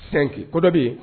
5 ko dɔ bɛ yen